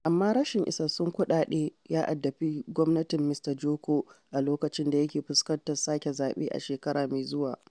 Amma rashin isassun kuɗaɗe ya addabi gwamnatin Mista Joko a loƙacin da yake fuskantar sake zaɓe a shekara mai zuwa.